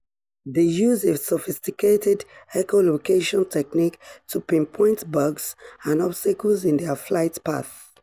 They use a sophisticated echo-location technique to pinpoint bugs and obstacles in their flight path.